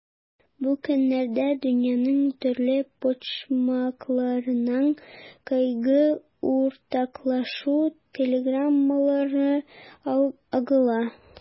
Бу көннәрдә дөньяның төрле почмакларыннан кайгы уртаклашу телеграммалары агыла.